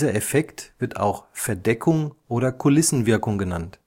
Effekt wird auch Verdeckung oder Kulissenwirkung genannt